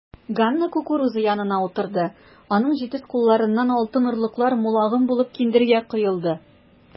Ганна кукуруза янына утырды, аның җитез кулларыннан алтын орлыклар мул агым булып киндергә коелды.